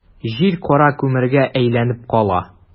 Җир кара күмергә әйләнеп кала.